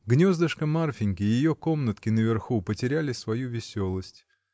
Гнездышко Марфиньки, ее комнатки наверху, потеряли свою веселость.